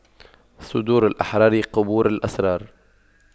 صدور الأحرار قبور الأسرار